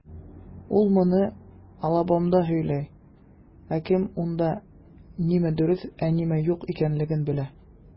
Ул моны Алабамада сөйли, ә кем анда, нәрсә дөрес, ә нәрсә юк икәнлеген белә?